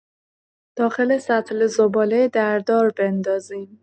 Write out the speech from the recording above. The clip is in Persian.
داخل سطل زباله دردار بندازیم.